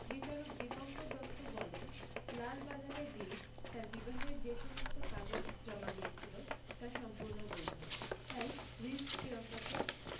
বিচারক দীপঙ্কর দত্ত বলেন লালবাজারে রিজ তার বিবাহের যে সমস্ত কাগজ জমা দিয়েছিল তা সম্পূর্ণ বৈধ তাই রিজ প্রিয়ঙ্কাকে